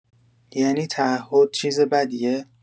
یعنی تعهد چیز بدیه؟